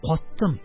Каттым...